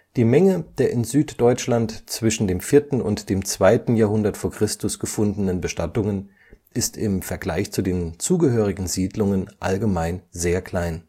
Die Menge der in Süddeutschland zwischen dem 4. und dem 2. Jahrhundert v. Chr. gefundenen Bestattungen ist im Vergleich zu den zugehörigen Siedlungen allgemein sehr klein